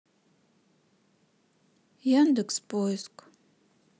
яндекс поиск